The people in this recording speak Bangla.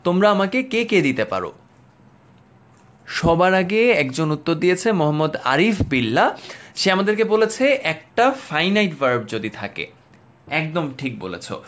তোমরা আমাকে কে কে দিতে পারো সবার আগে একজন উত্তর দিয়েছে মোঃ আরিফ বিল্লাহ সে আমাদেরকে বলেছে একটা ফাইনাইট ভার্ব যদি থাকে একদম ঠিক বলেছ